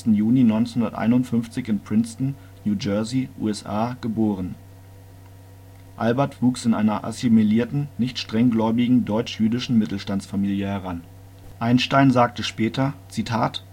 Juni 1951 Princeton, New Jersey, USA) geboren. Albert wuchs in einer assimilierten, nicht strenggläubigen deutsch-jüdischen Mittelstandsfamilie heran. Einstein sagte später: „ Die Stadt